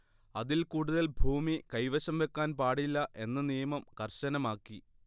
അതിൽ കൂടുതൽ ഭൂമി കൈവശം വെക്കാൻ പാടില്ല എന്ന നിയമം കർശനമാക്കി